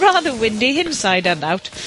Rather windy inside and out